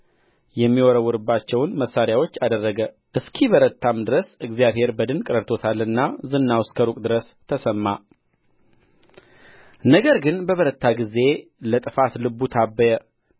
የሚወረወርባቸውን መሣሪያዎች አደረገ እስኪበረታም ድረስ እግዚአብሔር በድንቅ ረድቶታልና ዝናው እስከ ሩቅ ድረስ ተሰማ ነገር ግን በበረታ ጊዜ ለጥፋት ልቡ ታበየ